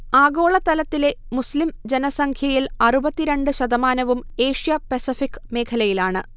ആഗോളതലത്തിലെ മുസ്ലിം ജനസംഖ്യയിൽ ശതമാനവും ഏഷ്യ-പസഫിക് മേഖലയിലാണ്